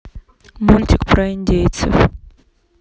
мультик про индейцев